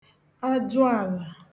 ajụàlà